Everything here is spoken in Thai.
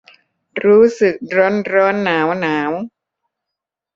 รู้สึกร้อนร้อนหนาวหนาว